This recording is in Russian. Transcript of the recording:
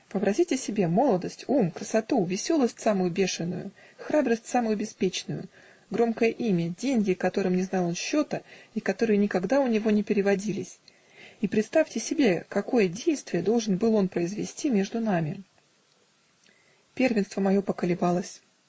Вообразите себе молодость, ум, красоту, веселость самую бешеную, храбрость самую беспечную, громкое имя, деньги, которым не знал он счета и которые никогда у него не переводились, и представьте себе, какое действие должен был он произвести между нами. Первенство мое поколебалось.